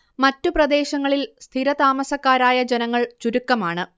മറ്റു പ്രദേശങ്ങളിൽ സ്ഥിരതാമസക്കാരായ ജനങ്ങൾ ചുരുക്കമാണ്